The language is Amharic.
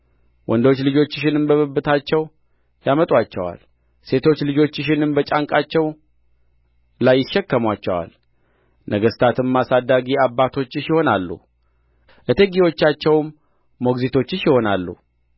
ወንዶች ልጆችሽንም በብብታቸው ያመጡአቸዋል ሴቶች ልጆችሽንም በጫንቃቸው ላይ ይሸከሙአቸዋል ነገሥታትም አሳዳጊ አባቶችሽ ይሆናሉ እቴጌዎቻቸውም ሞግዚቶችሽ ይሆናሉ